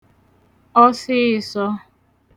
ọsịịsọ̄